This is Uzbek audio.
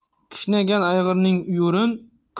kishnagan ayg'irning uyurin